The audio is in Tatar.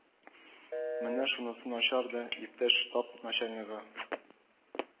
Менә шунысы начар да, иптәш штаб начальнигы